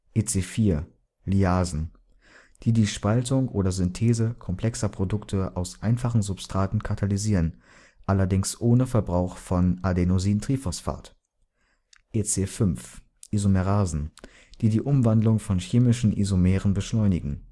EC 4: Lyasen, die die Spaltung oder Synthese komplexerer Produkte aus einfachen Substraten katalysieren, allerdings ohne Verbrauch von ATP. EC 5: Isomerasen, die die Umwandlung von chemischen Isomeren beschleunigen